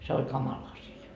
se oli kamala asia